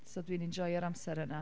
So dwi'n enjoio'r amser yna.